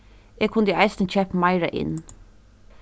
eg kundi eisini keypt meira inn